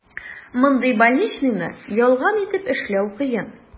Мондый больничныйны ялган итеп эшләү кыен.